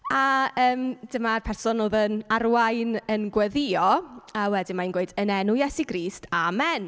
A yym, dyma'r person oedd yn arwain yn gweddïo, a wedyn mae'n gweud, "yn enw Iesu Grist, amen."